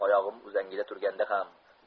oyogim uzangida turganda ham